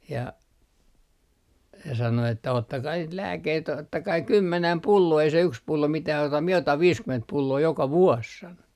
ja se sanoi että ottakaa niitä lääkkeitä ottakaa kymmenen pulloa ei se yksi pullo mitään auta minä otan viisikymmentä pulloa joka vuosi sanoi